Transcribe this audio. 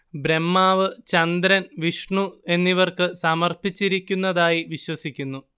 ബ്രഹ്മാവ് ചന്ദ്രൻ വിഷ്ണു എന്നിവർക്ക് സമർപ്പിച്ചിരിക്കുന്നതായി വിശ്വസിക്കുന്നു